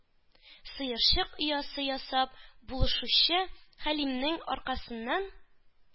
Сыерчык оясы ясап булашучы хәлимнең аркасыннан